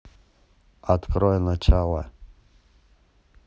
открой начало